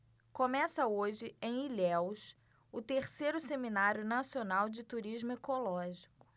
começa hoje em ilhéus o terceiro seminário nacional de turismo ecológico